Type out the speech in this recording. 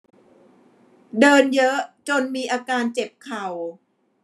เดินเยอะจนมีอาการเจ็บเข่า